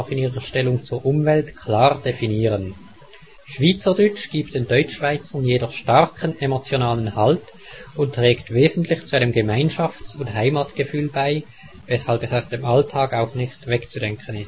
ihrer Stellung zur Umwelt klar definieren. Schwyzerdütsch gibt den Deutschschweizern jedoch starken emotionalen Halt und trägt wesentlich zu einem Gemeinschafts - und Heimatgefühl bei, weshalb es aus dem Alltag auch nicht wegzudenken ist